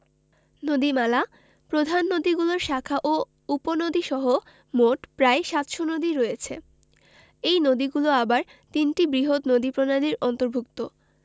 নদীমালাঃ প্রধান নদীগুলোর শাখা ও উপনদীসহ মোট প্রায় ৭০০ নদী রয়েছে এই নদীগুলো আবার তিনটি বৃহৎ নদীপ্রণালীর অন্তর্ভুক্ত